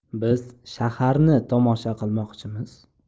biz shaharni tomosha qilmoqchimiz